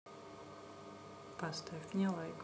поставь мне лайк